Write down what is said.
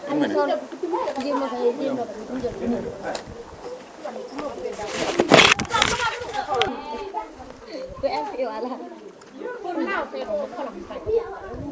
une minute